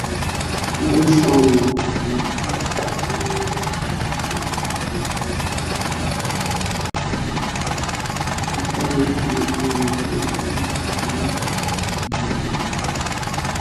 Meeshaani waa xeebta liido bada halkan waxaa joogo gabdho iyo hal wiil